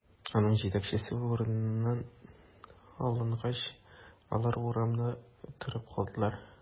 Аның җитәкчесе урыныннан алынгач, алар урамда торып калдылар.